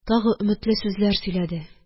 Тагы өметле сүзләр сөйләде